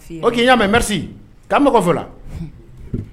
Ok n ya mɛn Merci kan bɛn kɔfɛ o la.